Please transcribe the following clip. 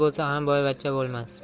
bo'lsa ham boyvachcha bo'lmas